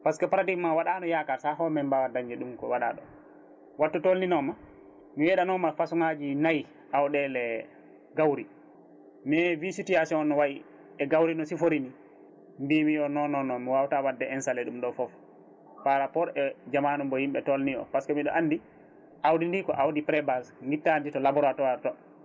par ce que pratiquement waɗano yakar saaha foof min mbawa dañde ɗum ko waɗaɗo wattu tolninoma mi weɗanoma façon ngaji nayyi awɗele gawri mais situation o no wayi e gawri no sifori ni mbi yo non non mi wawata wadde installé ɗum ɗo foof par rapport e jaamunu mo yimɓe tolni o par ce que mbiɗo andi awdi ndi ko awdi pré-base guittandi to laboratoire to